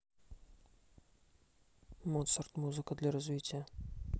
моцарт музыка для развития